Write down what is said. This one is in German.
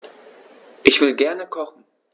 Ich will gerne kochen.